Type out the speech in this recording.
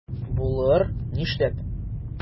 Булыр, нишләп?